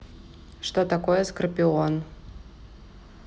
что такое скорпион